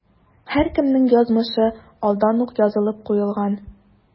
Һәркемнең язмышы алдан ук язылып куелган.